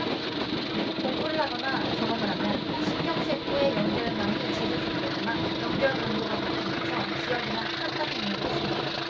공부를 하거나 경험을 하면 신경세포의 연결망이 재조직되거나 연결 강도가 바뀌면서 기억이나 판단 능력이 생긴다